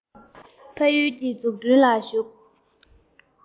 ཕ ཡུལ གྱི འཛུགས སྐྲུན ལ ཞུགས